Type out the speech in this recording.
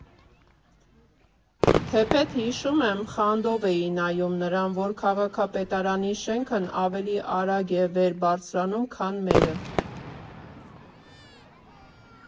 Թեպետ, հիշում եմ, խանդով էի նայում նրան, որ քաղաքապետարանի շենքն ավելի արագ է վեր բարձրանում, քան մերը…